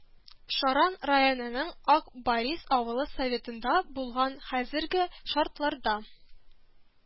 Шаран районының Ак барис авыл Советында булганда хәзерге шартларда